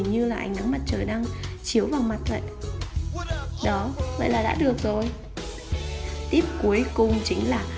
để nhìn như ánh nắng mặt trời đang chiếu vào mặt vậy đó vậy là đã được rồi tips cuối cùng chính là